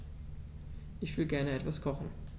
Ich will gerne etwas kochen.